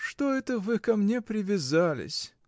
— Что это вы ко мне привязались!